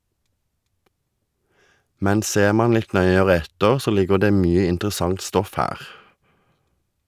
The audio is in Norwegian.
Men ser man litt nøyere etter, så ligger det mye interessant stoff her.